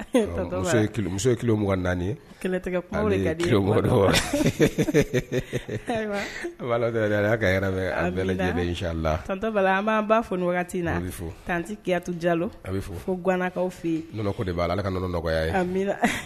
Yɛrɛ an lajɛlen la an b'an'a fɔ wagati na a bɛan tɛyatu jalo a bɛ fɔ fo gananakaw fɛ de b'a ala kaɔnɔ nɔgɔ nɔgɔyaya